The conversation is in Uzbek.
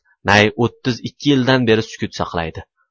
nay o'ttiz ikki yildan beri sukut saqlaydi